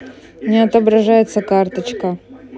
не отображается карточка